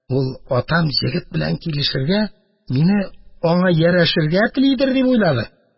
Ул: «Атам егет белән килешергә, мине аңа ярәшергә телидер», – дип уйлады.